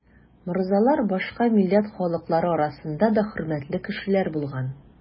Морзалар башка милләт халыклары арасында да хөрмәтле кешеләр булган.